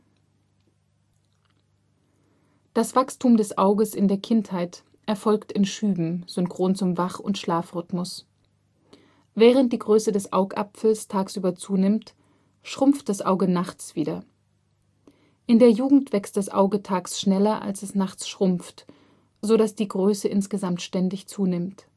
Das Wachstum des Auges in der Kindheit erfolgt in Schüben synchron zum Wach - und Schlafrhythmus: Während die Größe des Augapfel tagsüber zunimmt, schrumpft das Auge nachts wieder. In der Jugend wächst das Auge tags schneller als es nachts schrumpft, so dass die Größe insgesamt ständig zunimmt